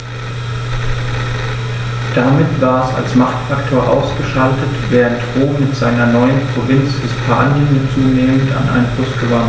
Damit war es als Machtfaktor ausgeschaltet, während Rom mit seiner neuen Provinz Hispanien zunehmend an Einfluss gewann.